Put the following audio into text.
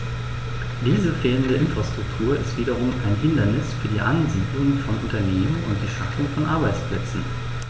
Diese fehlende Infrastruktur ist wiederum ein Hindernis für die Ansiedlung von Unternehmen und die Schaffung von Arbeitsplätzen.